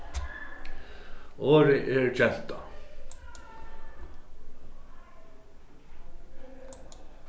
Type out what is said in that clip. orðið er genta